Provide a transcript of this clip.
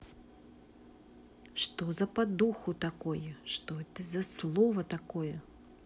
что за подуху такое что это за слово такое